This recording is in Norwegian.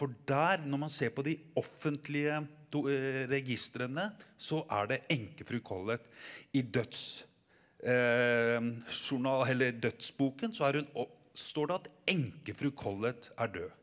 for der når man ser på de offentlige registrene så er det enkefru Collett i eller dødsboken så er hun står det at enkefru Collett er død.